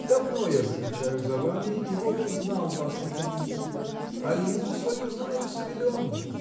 Давно я замечаю за вами и вот узнал вас наконец а Лизу свою знаю с пелен